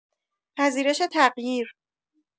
پذیرش تغییر